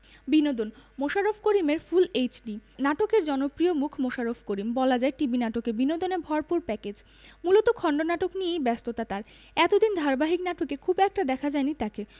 বিনোদন মোশাররফ করিমের full HD নাটকের জনপ্রিয় মুখ মোশাররফ করিম বলা যায় টিভি নাটকে বিনোদনে ভরপুর প্যাকেজ মূলত খণ্ডনাটক নিয়েই ব্যস্ততা তার এতদিন ধারাবাহিক নাটকে খুব একটা দেখা যায়নি তাকে